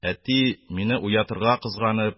Әти, мине уятырга кызганып,